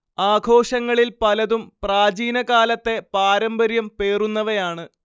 ആഘോഷങ്ങളിൽ പലതും പ്രാചീനകാലത്തെ പാരമ്പര്യം പേറുന്നവയാണ്